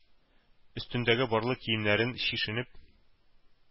Өстендәге барлык киемнәрен, чишенеп,